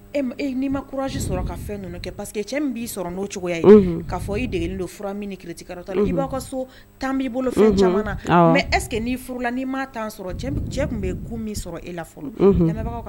E e n'i ma. courage sɔrɔ ka fɛn ninnu kɛ parce que cɛ min b'i sɔrɔ n'o cogoya ye, unhun , ka fɔ i degelen do fura min ni kiritikarata la unhun , i b'a ka so temps b'i bolo Unhun, awɔ , fɛn caaman na mais, est ce que n'i furula n'i ma temps sɔrɔ cɛ tun bɛ goût min sɔrɔ e la fɔlɔ unhun , lamɛnbagaw ka